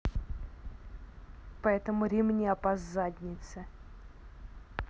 поэтому ремня по заднице